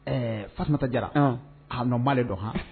Ɛɛ fata jara haunamaale dɔn h